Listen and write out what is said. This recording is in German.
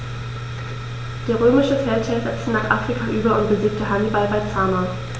Der römische Feldherr setzte nach Afrika über und besiegte Hannibal bei Zama.